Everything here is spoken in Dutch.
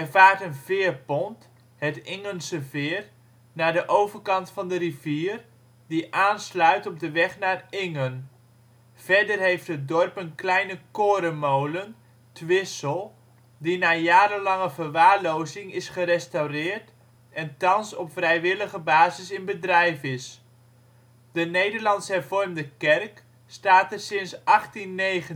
vaart een veerpont (Ingense veer) naar de overkant van de rivier, die aansluit op de weg naar Ingen. Verder heeft het dorp een kleine korenmolen, ' t Wissel, die na jarenlange verwaarlozing is gerestaureerd en thans op vrijwillige basis in bedrijf is. De Nederlands-hervormde kerk staat er sinds 1819